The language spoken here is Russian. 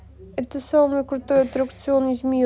это самый крутой аттракцион из мира